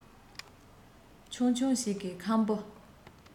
ཆུང ཆུང ཞིག གིས ཁམ བུ